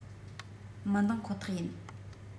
མི འདངས ཁོ ཐག ཡིན